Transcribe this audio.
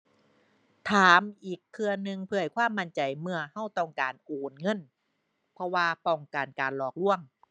ถามอีกเทื่อหนึ่งเพื่อให้ความมั่นใจเมื่อเราต้องการโอนเงิน เพราะว่าป้องกันการหลอกลวง